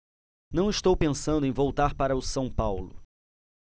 não estou pensando em voltar para o são paulo